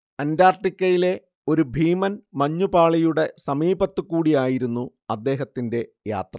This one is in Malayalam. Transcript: അന്റാർട്ടിക്കയിലെ ഒരു ഭീമൻ മഞ്ഞുപാളിയുടെ സമീപത്തുകൂടിയായിരുന്നു അദ്ദേഹത്തിന്റെ യാത്ര